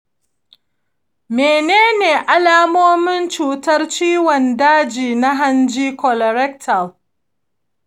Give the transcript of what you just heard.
menene alamomin cutar ciwon daji na hanji colorectal